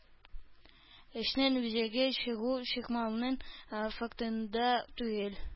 Эшнең үзәге чыгу-чыкмауның фактында түгел.